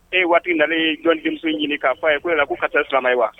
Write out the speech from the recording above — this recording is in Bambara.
E waati nalen ye jɔn denmuso ɲini k' fɔ ye ko e la k ko ka taa sama ye wa